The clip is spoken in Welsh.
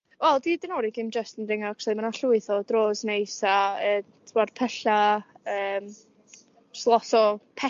wel 'di Dinorwig ddim jyst yn dringo actually ma' 'na llwyth o dro's neis a t'bo'r pylla' yym jyst lot o petha'